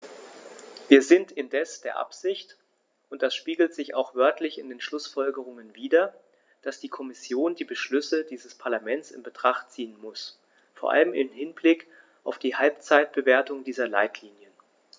Wir sind indes der Ansicht und das spiegelt sich auch wörtlich in den Schlussfolgerungen wider, dass die Kommission die Beschlüsse dieses Parlaments in Betracht ziehen muss, vor allem im Hinblick auf die Halbzeitbewertung dieser Leitlinien.